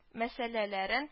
Мәсьәләләрен